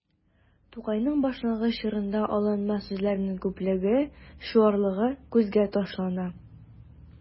Тукайның башлангыч чорында алынма сүзләрнең күплеге, чуарлыгы күзгә ташлана.